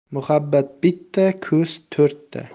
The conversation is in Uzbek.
muhabbat bitta ko'z to'rtta